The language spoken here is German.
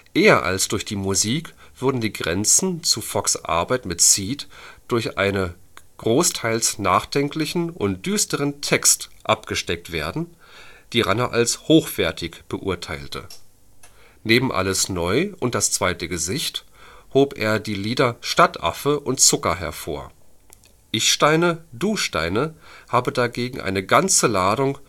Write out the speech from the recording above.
Eher als durch die Musik würden die Grenzen zu Fox ' Arbeit mit Seeed durch seine „ großteils nachdenklich [en] und düster [en] “Texte abgesteckt werden, die Ranner als „ hochwertig “beurteilte. Neben Alles neu und Das zweite Gesicht hob er die Lieder Stadtaffe und Zucker hervor; Ich Steine, du Steine habe dagegen „ eine ganze Ladung